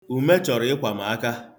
Ume chọrọ ịkwa m aka.